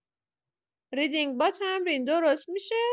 ریدینگ با تمرین درست می‌شه.